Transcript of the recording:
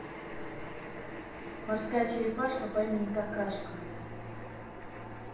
морская черепашка по имени какашка